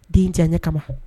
Den diyaɲɛ kama.